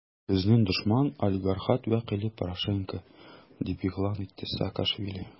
Безнең дошман - олигархат вәкиле Порошенко, - дип игълан итте Саакашвили.